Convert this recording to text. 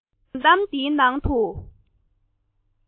སྒྲུང གཏམ འདིའི ནང དུ